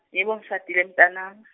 yebo ngishadile mtanami .